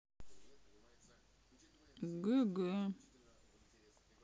гэ гэ